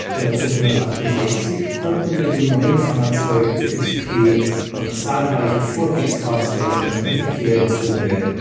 1968 konnten durch die neuen Fahrzeuge des Typs P noch zahlreiche Vorkriegsfahrzeuge aus dem Verkehr gezogen werden